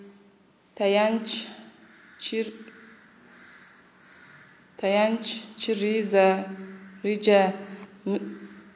tayanch reja